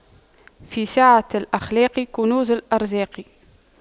في سعة الأخلاق كنوز الأرزاق